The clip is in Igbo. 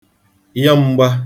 yọ m̄gbā